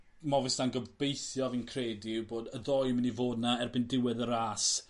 Movistar yn gobeithio fi'n credu yw bod y ddoi mynd i fod 'na erbyn diwedd y ras